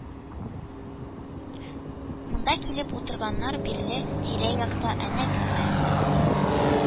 Монда килеп утырганнан бирле тирә-якта әнә күпме